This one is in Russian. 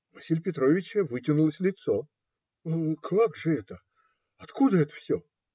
У Василия Петровича вытянулось лицо. - Как же это? Откуда это все?